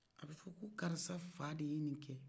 a bɛ fɔ ko karisa fa de ye nin kɛ